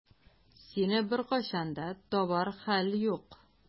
Сине беркайчан да табар хәл юк.